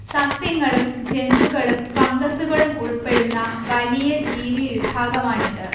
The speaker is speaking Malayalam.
സസ്യങ്ങളും ജന്തുക്കളും ഫംഗസ്സുകളും ഉൾപ്പെടുന്ന വലിയ ജീവിവിഭാഗമാണിത്